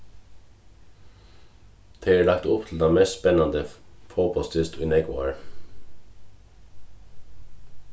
tað er lagt upp til tann mest spennandi fótbóltsdyst í nógv ár